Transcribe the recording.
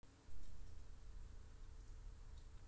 как относиться к эрдогану